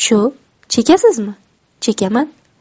shu chekasizmi chekaman